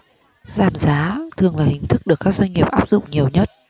giảm giá thường là hình thức được các doanh nghiệp áp dụng nhiều nhất